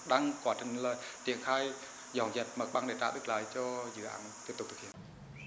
đang quá trình là triển khai dọn dẹp mặt bằng để trả đất lại cho dự án tiếp tục thực hiện